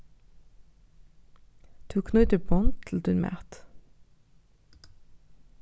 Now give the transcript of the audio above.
tú knýtir bond til tín mat